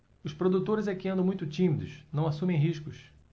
os produtores é que andam muito tímidos não assumem riscos